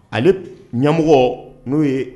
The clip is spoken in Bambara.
Ale ɲamɔgɔ n'o ye